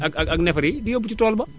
ak ak ak neefare yi di yóbbu ci tool ba